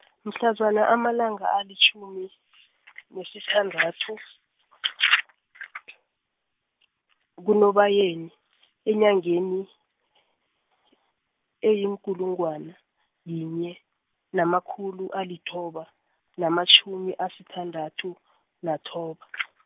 mhlazana amalanga alitjhumi, nesithandathu, kuNobayeni, enyangeni, eyinkulungwana, yinye, namakhulu alithoba, namatjhumi asithandathu, nathoba .